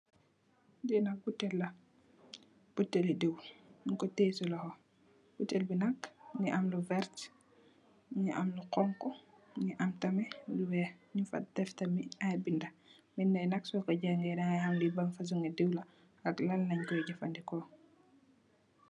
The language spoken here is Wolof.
Lii nak butehll la, butehli diw, munkoh tiyeh cii lokhor, butehll bii nak mungy am lu vertue, mungy am lu honhu, mungy am tamit lu wekh, njung fa deff tamit aiiy binda, binda yii nak sor kor jangeh dangai ham lii ban fasoni diw la ak lan langh koi jeufandehkor.